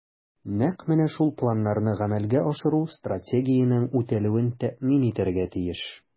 Нәкъ менә шул планнарны гамәлгә ашыру Стратегиянең үтәлүен тәэмин итәргә тиеш.